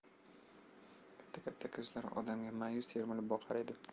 katta katta ko'zlari odamga mayus termilib boqar edi